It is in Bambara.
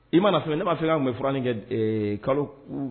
I m mana fini ne b'a tun bɛ furanin kɛ kaloku